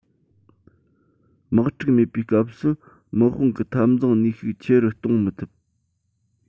དམག འཁྲུག མེད པའི སྐབས སུ དམག དཔུང གི འཐབ འཛིང ནུས ཤུགས ཆེ རུ གཏོང མི ཐུབ